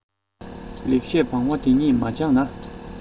ལེགས བཤད བང བ འདི གཉིས མ སྦྱངས ན